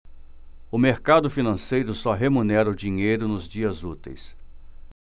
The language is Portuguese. o mercado financeiro só remunera o dinheiro nos dias úteis